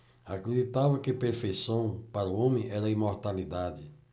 acreditavam que perfeição para o homem era a imortalidade